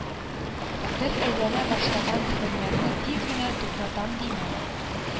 Бер әйләнә башлаган тегермәнне тиз генә туктатам димә